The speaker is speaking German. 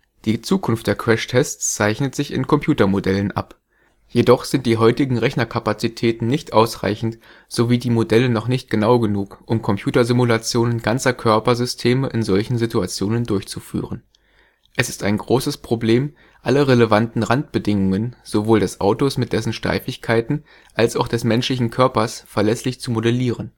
Die Zukunft der Crashtests zeichnet sich in Computer-Modellen ab. Jedoch sind die heutigen Rechnerkapazitäten nicht ausreichend sowie die Modelle noch nicht genau genug, um Computersimulationen ganzer Körpersysteme in solchen Situationen durchzuführen. Es ist ein großes Problem, alle relevanten Randbedingungen, sowohl des Autos mit dessen Steifigkeiten als auch des menschlichen Körpers, verlässlich zu modellieren